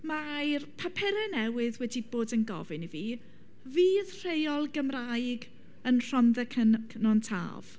mae'r papurau newydd wedi bod yn gofyn i fi, fydd rheol Gymraeg yn Rhondda cyn- Cynon Taf.